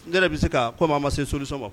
N yɛrɛ bɛ se ka ko maa ma se sosɔn